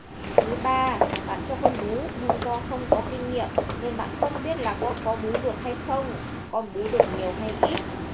thứ bạn cho con bú nhưng do không có kinh nghiệm nên bạn không biết là con có bú được hay không con bú được nhiều hay ít